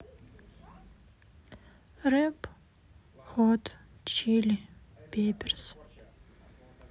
рэп хот чили пеперс